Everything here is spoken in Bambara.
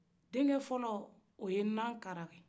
den cɛ fɔlɔ o ye nankara